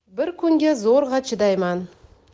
bir kunga zo'rg'a chidayman